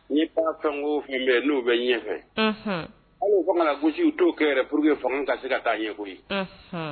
Ni pan fɛnko fɛn bɛ n'o bɛ ɲɛfɛ aw u ka gosisi u t'o kɛɛrɛ pur fanga ka se ka'a ɲɛ koyi ye